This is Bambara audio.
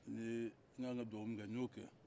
n ka kan ka duwawu min kɛ n y'o kɛ